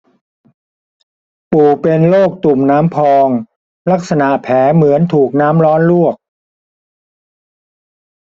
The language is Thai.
ปู่เป็นโรคตุ่มน้ำพองลักษณะแผลเหมือนถูกน้ำร้อนลวก